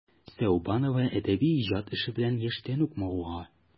Сәүбанова әдәби иҗат эше белән яшьтән үк мавыга.